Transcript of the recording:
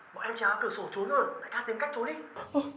bọn em trèo qua cửa sổ trốn rồi đã ca tìm cách trốn đi